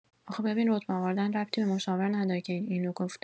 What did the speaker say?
آخه ببین رتبه آوردن ربطی به مشاور نداره که این اینو گفته